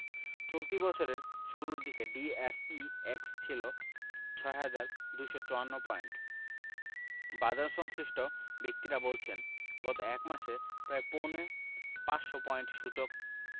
চলতি বছরের শুরুর দিনে ডিএসইএক্স ছিল ৬ হাজার ২৫৪ পয়েন্ট বাজারসংশ্লিষ্ট ব্যক্তিরা বলছেন গত এক মাসে প্রায় পৌনে ৫০০ পয়েন্ট সূচক